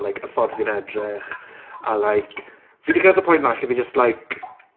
Like y ffordd fi'n edrych. A like fi 'di cyrraedd y pwynt 'na lle fi jyst like